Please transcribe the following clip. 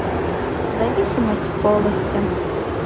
зависимость в полости